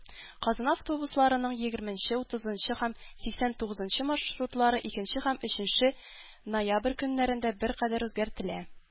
Казан автобусларының егерменче, утызынчы һәм сиксән тугызынчы маршрутлары икенче һәм өченче ноябрь көннәрендә беркадәр үзгәртелә.